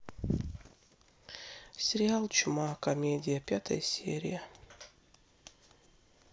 сериал чума комедия пятая серия